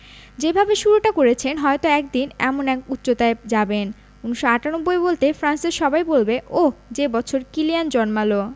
যেভাবে শুরুটা করেছেন হয়তো একদিন এমন এক উচ্চতায় যাবেন ১৯৯৮ বলতে ফ্রান্সের সবাই বলবে ওহ্ যে বছর কিলিয়ান জন্মাল